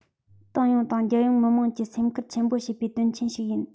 ཏང ཡོངས དང རྒྱལ ཡོངས མི དམངས ཀྱིས སེམས ཁུར ཆེན པོ བྱེད པའི དོན ཆེན ཞིག ཡིན